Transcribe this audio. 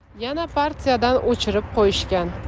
yana partiyadan o'chirib qo'yishgan